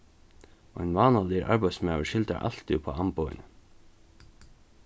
ein vánaligur arbeiðsmaður skyldar altíð upp á amboðini